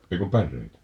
ei kun päreitä